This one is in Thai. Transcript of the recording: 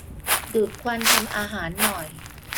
ดูดควันทำอาหารหน่อย